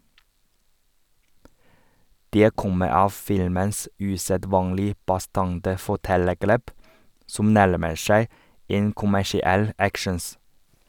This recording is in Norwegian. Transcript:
Det kommer av filmens usedvanlig bastante fortellergrep, som nærmer seg en kommersiell actions.